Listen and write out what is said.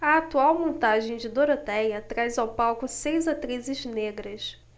a atual montagem de dorotéia traz ao palco seis atrizes negras